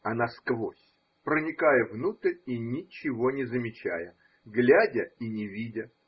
а насквозь, проникая внутрь и ничего не замечая, глядя и не видя.